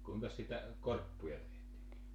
kuinkas sitä korppuja tehtiin